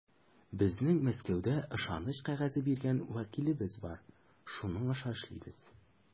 Безнең Мәскәүдә ышаныч кәгазе биргән вәкилебез бар, шуның аша эшлибез.